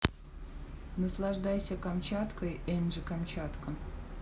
наслаждайся камчаткой энджи камчатка